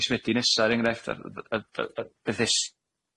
mis Medi nesa' er enghraifft y y y y Bethesda